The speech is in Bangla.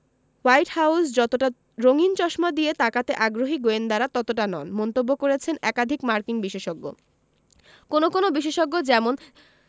হোয়াইট হাউস যতটা রঙিন চশমা দিয়ে তাকাতে আগ্রহী গোয়েন্দারা ততটা নন মন্তব্য করেছেন একাধিক মার্কিন বিশেষজ্ঞ কোনো কোনো বিশেষজ্ঞ যেমন